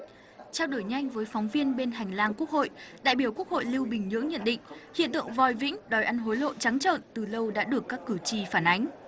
trao đổi nhanh với phóng viên bên hành lang quốc hội đại biểu quốc hội lưu bình nhưỡng nhận định hiện tượng vòi vĩnh đòi ăn hối lộ trắng trợn từ lâu đã được các cử tri phản ánh